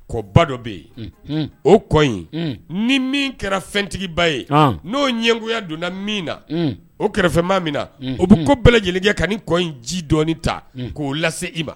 Kɔ ba dɔ bɛ yen o kɔ in ni min kɛra fɛntigiba ye n'o ɲɛgoya donna min na o kɛrɛfɛma min na o bɛ ko bɛɛ lajɛlen ka ni kɔ in ji dɔi ta k'o lase i ma